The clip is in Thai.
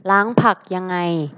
ล้างผักยังไง